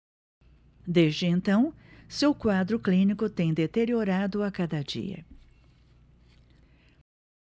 desde então seu quadro clínico tem deteriorado a cada dia